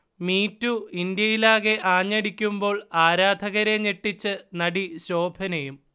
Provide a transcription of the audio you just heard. MeToo ഇന്ത്യയിലാകെ ആഞ്ഞടിക്കുമ്പോൾ ആരാധകരെ ഞെട്ടിച്ച് നടി ശോഭനയും